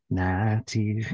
Na ti.